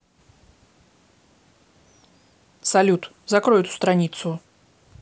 салют закрой эту страницу